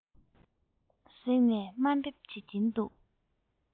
གཟེངས ནས དམའ འབེབས བྱེད ཀྱིན འདུག